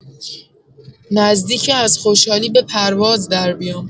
نزدیکه از خوشحالی به پرواز دربیام.